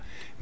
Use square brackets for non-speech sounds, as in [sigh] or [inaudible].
[breath] [smacks lips]